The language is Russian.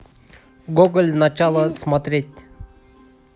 гоголь начало смотреть